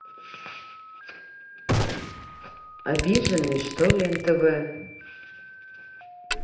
обиженные что ли нтв